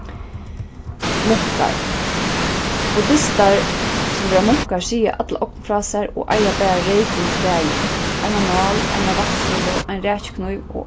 munkar buddistar sum verða munkar siga alla ogn frá sær og eiga bara reyðgul klæði eina nál eina vatnsílu ein rakiknív og